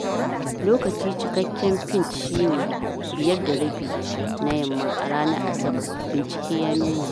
Lokaci cikakken pint shi ne 5.30pm a ranar Asabar, binciken ya nuna